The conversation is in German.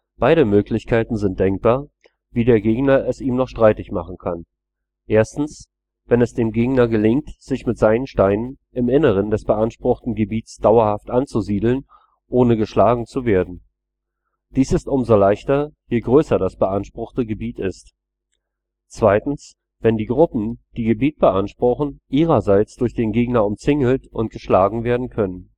Zwei Möglichkeiten sind denkbar, wie der Gegner es ihm noch streitig machen kann: Erstens, wenn es dem Gegner gelingt, sich mit seinen Steinen im Inneren des beanspruchten Gebiets dauerhaft anzusiedeln ohne geschlagen zu werden. Dies ist umso leichter, je größer das beanspruchte Gebiet ist. Zweitens, wenn die Gruppen, die Gebiet beanspruchen, ihrerseits durch den Gegner umzingelt und geschlagen werden können